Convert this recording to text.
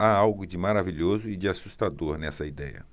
há algo de maravilhoso e de assustador nessa idéia